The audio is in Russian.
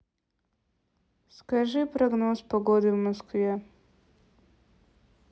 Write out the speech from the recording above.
скажи прогноз погоды в москве